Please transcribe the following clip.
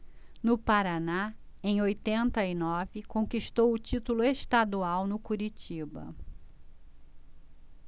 no paraná em oitenta e nove conquistou o título estadual no curitiba